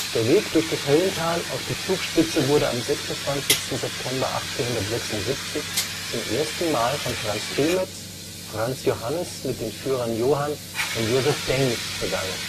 Der Weg durch das Höllental auf die Zugspitze wurde am 26. September 1876 zum ersten Mal von Franz Tillmetz, Franz Johannes mit den Führern Johann und Joseph Dengg begangen